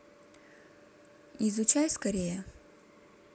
изучай скорее